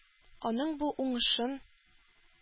Аның бу уңышын